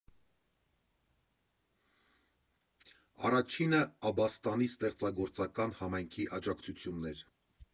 Առաջինը Աբաստանի ստեղծագործական համայնքի աջակցությունն է։